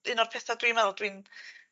un o'r petha dwi me'wl dwi'n